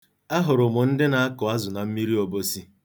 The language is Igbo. Ahụrụ m ndị na-akụ azụ na mmiri Obosi.